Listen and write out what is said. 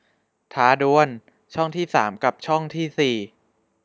ท้าดวลช่องที่สามกับช่องที่สี่